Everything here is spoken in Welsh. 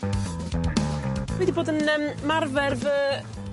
Fi 'di bod yn yym marfer fy